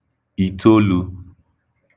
ìtolū